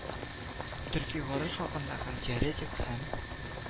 Төрки гаруз хакында һәм теоретик, һәм